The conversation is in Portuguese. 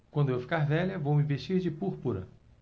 quando eu ficar velha vou me vestir de púrpura